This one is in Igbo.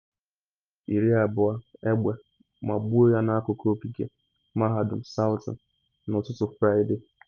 Agbara Sims, 20 egbe ma gbuo ya n’akụkụ ogige Mahadum Southern n’ụtụtụ Fraịde.